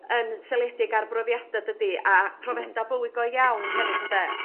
yn seledig ar brofiada dydy? A profiada bywyd go iawn hefyd ynde?